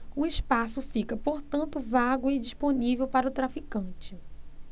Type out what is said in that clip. o espaço fica portanto vago e disponível para o traficante